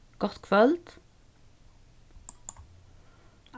gott kvøld